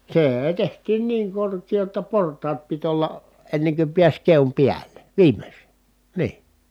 se tehtiin niin korkea jotta portaat piti olla ennen kuin pääsi keon päälle viimeksi niin